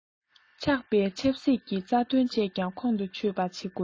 ཆགས པའི ཆབ སྲིད ཀྱི རྩ དོན བཅས ཀྱང ཁོང དུ ཆུད པ བྱེད དགོས